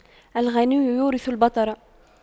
الغنى يورث البطر